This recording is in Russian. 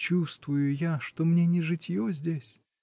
чувствую я, что мне не житье здесь